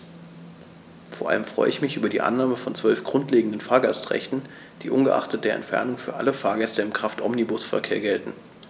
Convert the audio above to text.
Vor allem freue ich mich über die Annahme von 12 grundlegenden Fahrgastrechten, die ungeachtet der Entfernung für alle Fahrgäste im Kraftomnibusverkehr gelten.